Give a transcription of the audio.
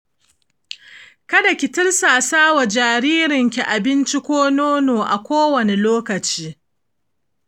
kada ki tursasa wa jaririnki abinci ko nono a kowane lokaci